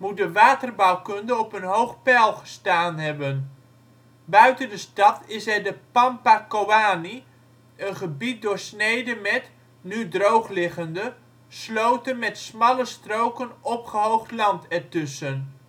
de waterbouwkunde op een hoog peil gestaan hebben. Buiten de stad is er de Pampa Koani, een gebied doorsneden met (nu droogliggende) sloten met smalle stroken opgehoogd land ertussen